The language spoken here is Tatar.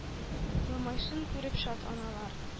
Елмайсын күреп шат аналар,